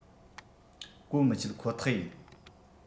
གོ མི ཆོད ཁོ ཐག ཡིན